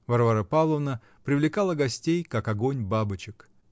Варвара Павловна привлекала гостей, как огонь бабочек.